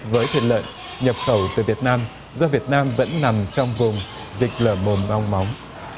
với thịt lợn nhập khẩu từ việt nam giữa việt nam vẫn nằm trong vùng dịch lở mồm long móng